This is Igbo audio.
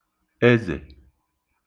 ezè